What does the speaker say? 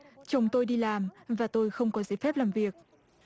chồng tôi đi làm và tôi không có giấy phép làm việc